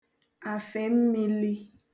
àfè mmīli